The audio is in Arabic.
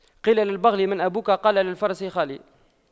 قيل للبغل من أبوك قال الفرس خالي